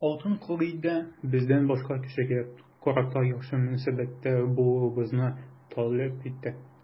Алтын кагыйдә бездән башка кешегә карата яхшы мөнәсәбәттә булуыбызны таләп итә.